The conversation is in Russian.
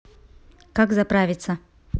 как заправиться